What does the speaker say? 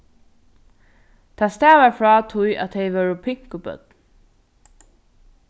tað stavar frá tí at tey vóru pinkubørn